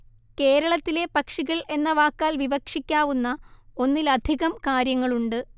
കേരളത്തിലെ പക്ഷികള്‍ എന്ന വാക്കാല്‍ വിവക്ഷിക്കാവുന്ന ഒന്നിലധികം കാര്യങ്ങളുണ്ട്